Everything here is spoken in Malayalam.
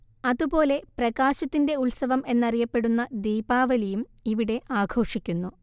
അതു പോലെ പ്രകാശത്തിന്റെ ഉത്സവം എന്നറിയപ്പെടുന്ന ദീപാവലിയും ഇവിടെ ആഘോഷിക്കുന്നു